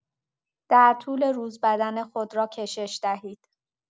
در طول روز بدن خود را کشش دهید.